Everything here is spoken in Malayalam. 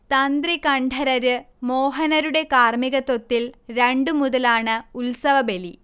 തന്ത്രി കണ്ഠരര് മോഹനരുടെ കാർമികത്വത്തിൽ രണ്ടുമുതലാണ് ഉത്സവബലി